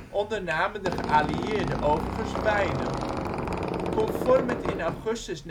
ondernamen de geallieerden overigens weinig. Conform het in augustus